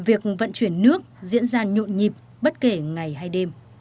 việc vận chuyển nước diễn ra nhộn nhịp bất kể ngày hay đêm